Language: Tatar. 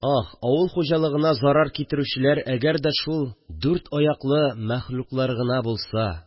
Ах, авыл хуҗалыгына зарар китерүчеләр әгәр дә шул дүрт аяклы мәхлуклар гына булса